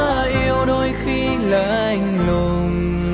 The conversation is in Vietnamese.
vì anh quá yêu đôi khi lạnh lùng